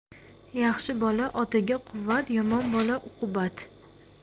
yaxshi bola otaga quvvat yomon bola uqubat